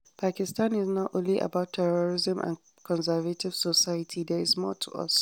Pakistan is not only about terrorism and a conservative society there is more to us.